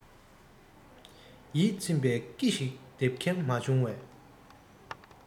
ཡིད ཚིམ པའི ཀི ཞིག འདེབས མཁན མ བྱུང བས